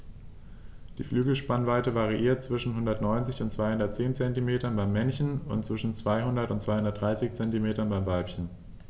Die Flügelspannweite variiert zwischen 190 und 210 cm beim Männchen und zwischen 200 und 230 cm beim Weibchen.